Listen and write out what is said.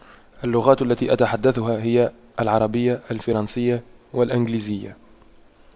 اللغات التي أتحدثها هي العربية الفرنسية والإنجليزية